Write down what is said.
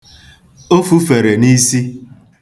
O fufere n'isi.